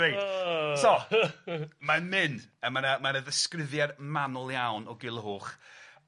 Reit... O. ...so... ...mae'n myn, a ma' 'na ma' 'na ddisgrifiad manwl iawn o Gulhwch.